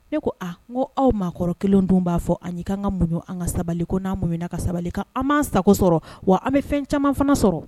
Ne ko a n ko aw maa kɔrɔ 1 dun b'a fɔ an ɲɛ k'an ka muɲu an ka sabali ko n'an muɲu na ka sabali k'an b'an sago sɔrɔ wa k'an bɛ fɛn caman fana sɔrɔ.